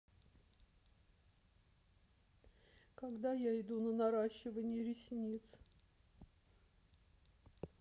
когда я иду на наращивание ресниц